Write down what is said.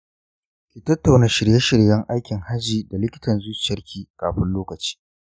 ki tattauna shirye-shiryen aikin hajji da likitan zuciyarki kafin lokaci.